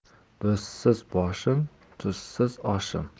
do'stsiz boshim tuzsiz oshim